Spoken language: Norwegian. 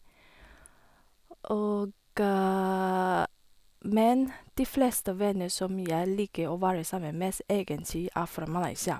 og Men de fleste venner som jeg liker å være sammen med s, egentlig er fra Malaysia.